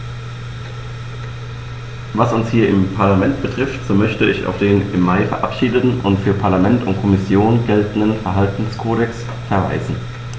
Was uns hier im Parlament betrifft, so möchte ich auf den im Mai verabschiedeten und für Parlament und Kommission geltenden Verhaltenskodex verweisen.